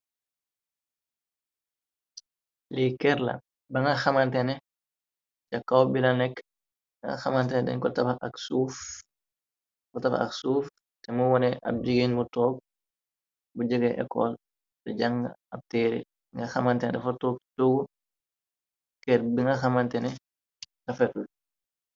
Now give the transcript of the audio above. Lii ker la ba nga xamantene jakaw bi la nekk nga xamantene den ko tabax ak suuf. Te mu wone ab jigéen mu toog bu jege ecol. Te jàng ab teere nga xamantene dafa toog toogu ker bi nga xamantene dafetul.